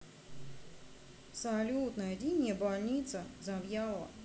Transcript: салют найди мне больница завьялова